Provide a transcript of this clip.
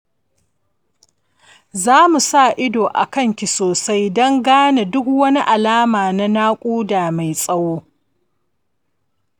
zamu sa ido akan ki sosai don gane duk wani alama na naƙuda mai tsawo